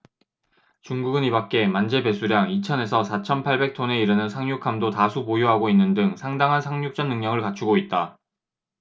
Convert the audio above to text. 중국은 이밖에 만재배수량 이천 에서 사천 팔백 톤에 이르는 상륙함도 다수 보유하고 있는 등 상당한 상륙전 능력을 갖추고 있다